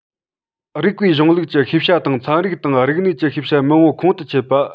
རིགས པའི གཞུང ལུགས ཀྱི ཤེས བྱ དང ཚན རིག དང རིག གནས ཀྱི ཤེས བྱ མང པོ ཁོང དུ ཆུད པ